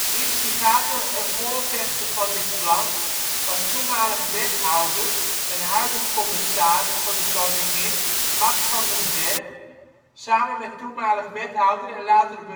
Instigator en voorvechter van dit plan was (toenmalig) wethouder en huidig commissaris van de koningin Max van den Berg samen met (toenmalig) wethouder en latere